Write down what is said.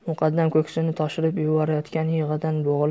muqaddam ko'ksini toshirib yuborayotgan yig'idan bo'g'ilib